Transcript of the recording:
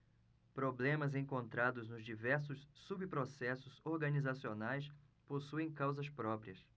problemas encontrados nos diversos subprocessos organizacionais possuem causas próprias